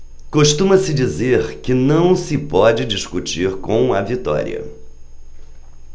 costuma-se dizer que não se pode discutir com a vitória